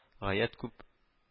Гаять күп